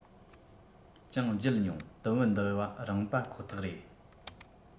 ཀྱང བརྒྱུད མྱོང དུམ བུ འདི བ རང པ ཁོ ཐག རེད